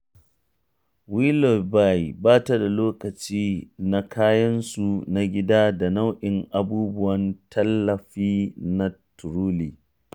Willoughby ba ta da lokaci na kayansu na gida da nau’in abubuwan tallafi na Truly.